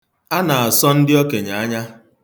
A na-asọ ndị okenye anya.